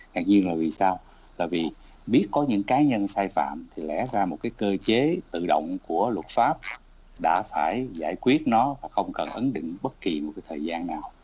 ngạc nhiên là vì sao tại vì biết có những cá nhân sai phạm thì lẽ ra một cái cơ chế tự động của luật pháp đã phải giải quyết nó mà không cần ấn định bất kỳ một thời gian nào